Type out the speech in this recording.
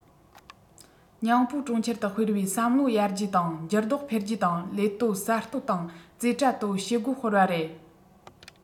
ཉིང པོ གྲོང ཁྱེར དུ སྤེལ བས བསམ བློ ཡར རྒྱས དང འགྱུར ལྡོག འཕེལ རྒྱས དང ལས གཏོད གསར གཏོད དང རྩེ གྲ གཏོད བྱེད སྒོ སྤེལ བ རེད